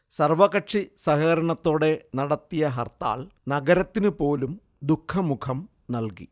സർവകക്ഷി സഹകരണത്തോടെ നടത്തിയ ഹർത്താൽ നഗരത്തിന് പോലും ദുഃഖമുഖം നൽകി